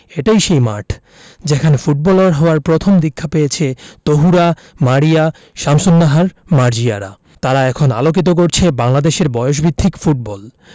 এটাই সেই মাঠ যেখানে ফুটবলার হওয়ার প্রথম দীক্ষা পেয়েছে তহুরা মারিয়া শামসুন্নাহার মার্জিয়ারা তারা এখন আলোকিত করছে বাংলাদেশের বয়সভিত্তিক ফুটবল